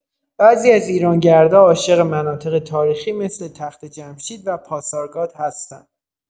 بعضی از ایرانگردا عاشق مناطق تاریخی مثل تخت‌جمشید و پاسارگاد هستن.